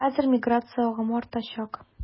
Хәзер миграция агымы артачак.